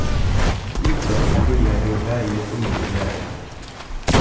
líggjas og fríða eru bæði dugnaligir lærarar